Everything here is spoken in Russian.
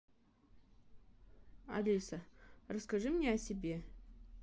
алиса расскажи мне о себе